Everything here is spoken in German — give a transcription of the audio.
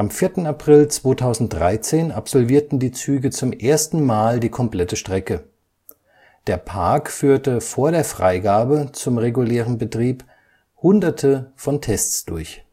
4. April 2013 absolvierten die Züge zum ersten Mal die komplette Strecke. Der Park führte vor der Freigabe zum regulären Betrieb hunderte von Tests durch